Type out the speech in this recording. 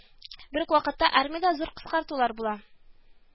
Бер үк вакытта армиядә зур кыскартулар була